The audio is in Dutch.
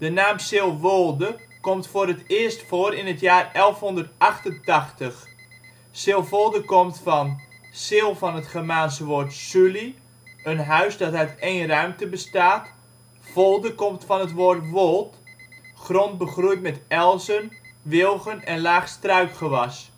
naam Silvolde komt voor het eerst voor in het jaar 1188. Silvolde komt van: sil het Germaanse woord suli, een huis dat uit één ruimte bestaat. Volde komt van het woord wold, grond begroeid met elzen, wilgen en laag struikgewas